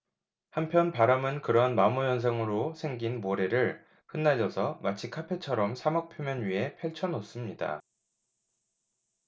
한편 바람은 그러한 마모 현상으로 생긴 모래를 흩날려서 마치 카펫처럼 사막 표면 위에 펼쳐 놓습니다